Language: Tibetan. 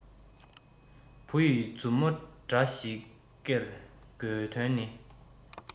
བུ ཡི མཛུབ མོ འདྲ ཞིག ཀེར དགོས དོན ནི